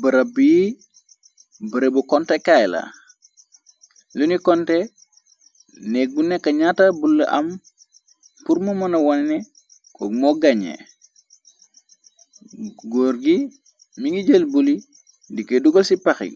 barab bi barebu contekaay la lunu konte neg bu nekka ñaata bula am purmu mëna wanne ko moo gañee gór gi mi ngi jël buli dikoy dugal ci pax yi